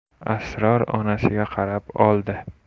asror onasiga qarab oldi